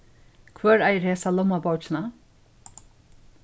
hvør eigur hesa lummabókina